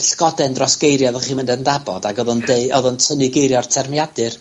ll'goden dros geiria' oddech chi'm yn dadnabod ag odd o'n deu- odd o'n tynnu geira o'r termiadur...